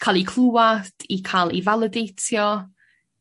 ca'l 'u clŵad i ca'l ii faledeitio.